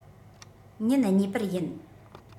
ཉིན གཉིས པར ཡིན